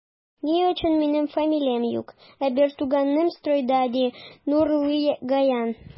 Ни өчен минем фамилиям юк, ә бертуганым стройда, ди Нурлыгаян.